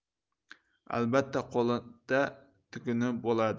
albatta qo'lida tuguni bo'ladi